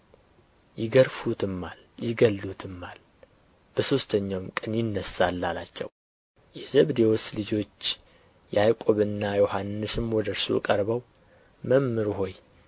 ይገርፉትማል ይገድሉትማል በሦስተኛውም ቀን ይነሣል አላቸው የዘብዴዎስ ልጆች ያዕቆብና ዮሐንስም ወደ እርሱ ቀርበው መምህር ሆይ